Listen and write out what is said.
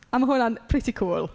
A ma' hwnna'n pretty cool.